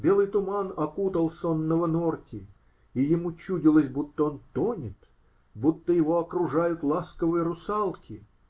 Белый туман окутал сонного Норти, и ему чудилось, будто он тонет, будто его окружают ласковые русалки.